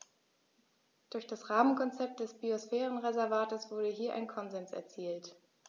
Durch das Rahmenkonzept des Biosphärenreservates wurde hier ein Konsens erzielt.